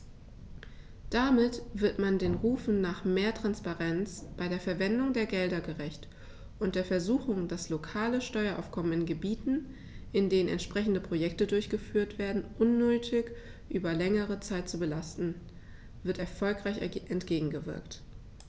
Damit wird man den Rufen nach mehr Transparenz bei der Verwendung der Gelder gerecht, und der Versuchung, das lokale Steueraufkommen in Gebieten, in denen entsprechende Projekte durchgeführt werden, unnötig über längere Zeit zu belasten, wird erfolgreich entgegengewirkt.